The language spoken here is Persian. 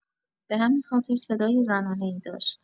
به همین خاطر صدای زنانه‌ای داشت.